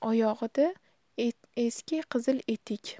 oyog'ida eski qizil etik